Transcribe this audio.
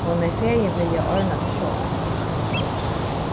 hon hevði fegin viljað orðnað tað sjálv